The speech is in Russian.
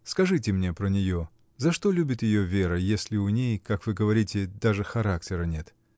Скажите мне про нее: за что любит ее Вера, если у ней, как вы говорите, даже характера нет?